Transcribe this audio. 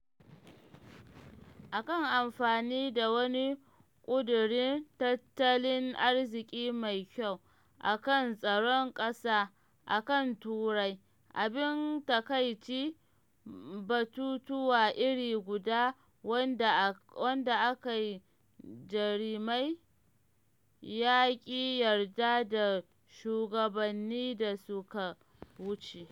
A kan amfani na wani ƙudurin tattalin arzikin mai kyau, a kan tsaron ƙasa, a kan Turai, abin takaici batutuwa iri guda wanda a kai Jeremy ya ƙi yarda da shugabanni da suka wuce.